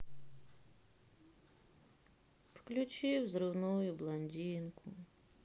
включи взрывную блондинку